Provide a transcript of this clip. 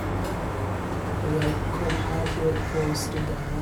Og jeg kom her jo for å studere.